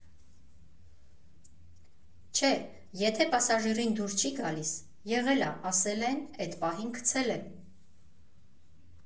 Չէ, եթե պասաժիրին դուր չի գալիս, եղել ա՝ ասել են, էդ պահին գցել եմ։